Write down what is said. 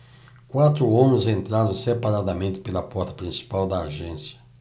quatro homens entraram separadamente pela porta principal da agência